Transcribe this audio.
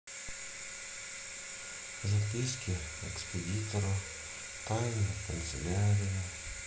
записки экспедитора тайной канцелярии